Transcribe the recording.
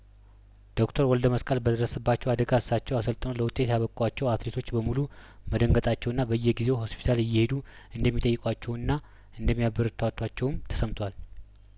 ዶክተር ወልደ መስቀል በደረሰባቸው አደጋ እሳቸው አሰልጥነው ለውጤት ያበቋቸው አትሌቶች በሙሉ መደንገጣ ቸውና በየጊዜው ሆስፒታል እየሄዱ እንደሚጠይቋቸውና እንደሚያበረታቷቸውም ተሰምቷል